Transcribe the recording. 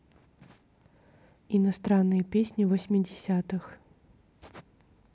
иностранные песни восьмидесятых